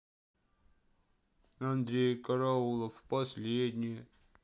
андрей караулов последнее